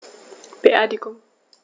Beerdigung